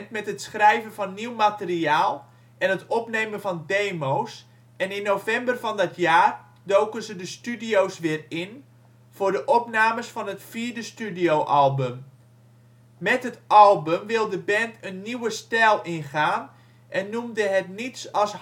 met het schrijven van nieuw materiaal en het opnemen van demo 's en in november van dat jaar doken ze de studio 's weer in voor de opnames van het vierde studioalbum. Met het album wil de band een nieuwe stijl in gaan en noemde het niets als